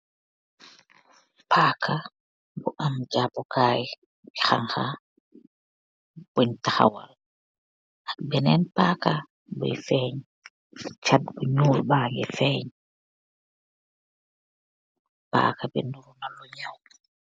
pakaa bu am japukayi hang ka ak beneen baka buiyi fehnj.